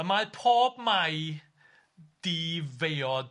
'Y mae pob Mai di-fei-od'...